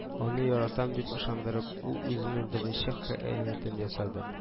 Аны яратам дип ышандырып, ул үзенең беренче хыянәтен ясады